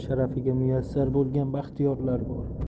sharafiga muyassar bo'lgan baxtiyorlar bor